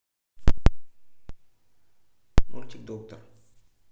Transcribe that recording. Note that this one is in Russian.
мультик доктор